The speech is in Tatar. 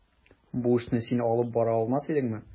Бу эшне син алып бара алмас идеңме?